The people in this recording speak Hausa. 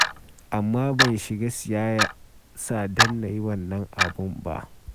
Amma ban shiga siyasa don na yi wannan abu ba.